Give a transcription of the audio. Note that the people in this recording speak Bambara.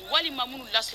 Walima minnu las